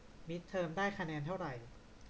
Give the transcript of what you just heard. มิดเทอมได้คะแนนเท่าไหร่